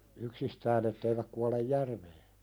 yksistään että eivät kuole järveen